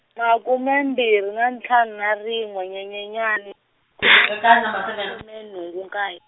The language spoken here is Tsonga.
makume mbirhi na ntlhanu na rin'we Nyenyenyani, khume nhungu nkaye.